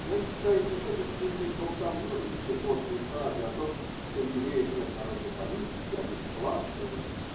Я считаю невежественной болтовнёю все модные фразы о том, что у евреев нет народной политики, а есть классовая.